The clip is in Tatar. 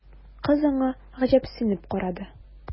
Кыз аңа гаҗәпсенеп карады.